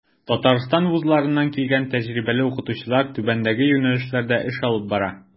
Татарстан вузларыннан килгән тәҗрибәле укытучылар түбәндәге юнәлешләрдә эш алып бара.